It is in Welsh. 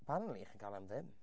Apparently chi'n cael e am ddim.